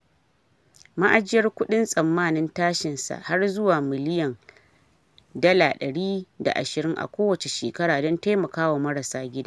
Ma’ajiyar kudin tsammanin tashin sa har zuwa miliyan £120 a kowace shekara - don taimaka wa marasa gida